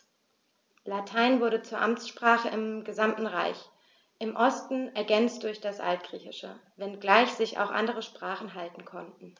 Latein wurde zur Amtssprache im gesamten Reich (im Osten ergänzt durch das Altgriechische), wenngleich sich auch andere Sprachen halten konnten.